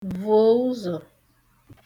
vùo ụzò